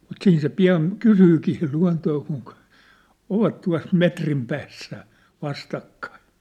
mutta siinä se pian kysyykin sitten luontoa - ovat tuossa metrin päässä vastakkain